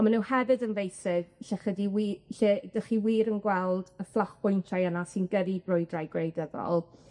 On' ma' nw hefyd yn feysydd lle chy 'di wi- lle 'dach chi wir yn gweld y fflachbwyntiau yna sy'n gyrru brwydrau gwleidyddol.